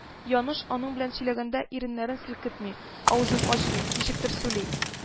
Яныш аның белән сөйләгәндә, иреннәрен селкетми, авызын ачмый, ничектер сөйли